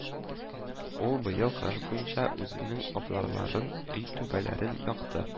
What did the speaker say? Ул быел кыш буенча үзенең абзарларын, өй түбәләрен якты